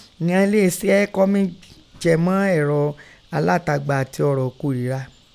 Ìghọn ele ẹṣẹ kọ́ jẹ́ mọ́ ẹ̀rọ alátagbà ati ọ̀rọ̀ ìkorìra.